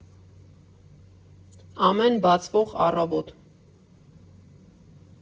Ամեն բացվող առավոտ։